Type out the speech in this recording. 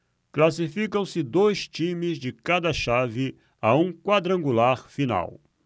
classificam-se dois times de cada chave a um quadrangular final